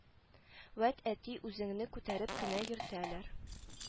Вәт әти үзеңне күтәреп кенә йөртәләр